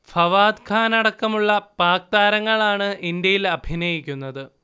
ഫവാദ്ഖാൻ അടക്കമുള്ള പാക് താരങ്ങളാണ് ഇന്ത്യയിൽ അഭിനയിക്കുന്നത്